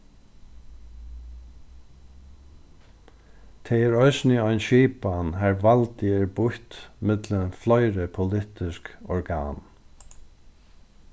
tað er eisini ein skipan har valdið er býtt millum fleiri politisk organ